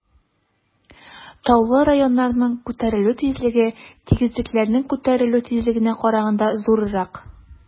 Таулы районнарның күтәрелү тизлеге тигезлекләрнең күтәрелү тизлегенә караганда зуррак.